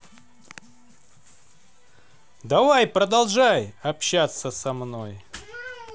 давай продолжай общаться со мной